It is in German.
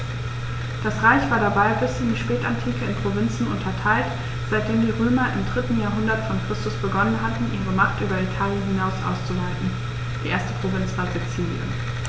Das Reich war dabei bis in die Spätantike in Provinzen unterteilt, seitdem die Römer im 3. Jahrhundert vor Christus begonnen hatten, ihre Macht über Italien hinaus auszuweiten (die erste Provinz war Sizilien).